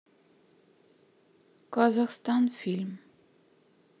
казахстан фильм